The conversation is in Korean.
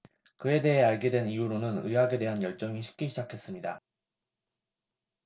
그에 대해 알게 된 이후로는 의학에 대한 열정이 식기 시작했습니다